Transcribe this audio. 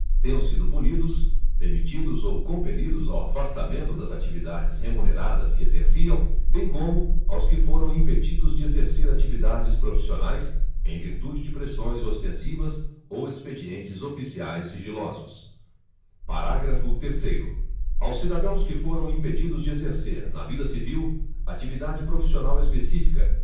tenham sido punidos demitidos ou compelidos ao afastamento das atividades remuneradas que exerciam bem como aos que foram impedidos de exercer atividades profissionais em virtude de pressões ostensivas ou expedientes oficiais sigilosos parágrafo terceiro aos cidadãos que foram impedidos de exercer na vida civil atividade profissional específica